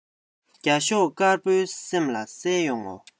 རྒྱ ཤོག དཀར པོའི སེམས ལ གསལ ཡོང ངོ